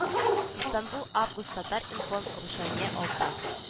Истанбул август татар-информ рушания алтай